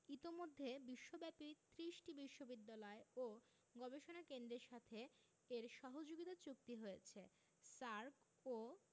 ইতোমধ্যে বিশ্বব্যাপী ত্রিশটি বিশ্ববিদ্যালয় ও গবেষণা কেন্দ্রের সাথে এর সহযোগিতা চুক্তি হয়েছে SAARC ও